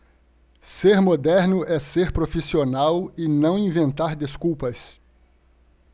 ser moderno é ser profissional e não inventar desculpas